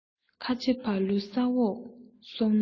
ཁ ཆེ ཕ ལུ ས འོག སོང ན ཡང